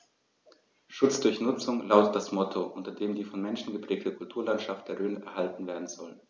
„Schutz durch Nutzung“ lautet das Motto, unter dem die vom Menschen geprägte Kulturlandschaft der Rhön erhalten werden soll.